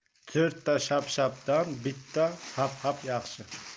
to'rtta shap shapdan bitta hap hap yaxshi